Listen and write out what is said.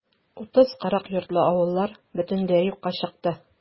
30-40 йортлы авыллар бөтенләй юкка чыкты.